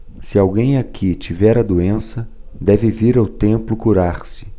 se alguém aqui tiver a doença deve vir ao templo curar-se